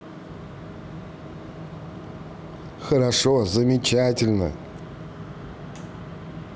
хорошо замечательно